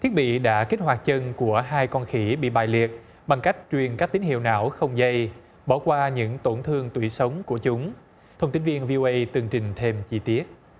thiết bị đã kích hoạt chân của hai con khỉ bị bại liệt bằng cách truyền các tín hiệu não không dây bỏ qua những tổn thương tủy sống của chúng thông tin viên vi âu ây tường trình thêm chi tiết